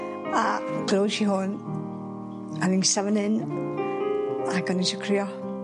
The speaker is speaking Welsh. A! Glywish i hwn a o'n i'n is'a fan 'yn ac o'n i isio crio.